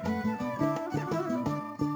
San yo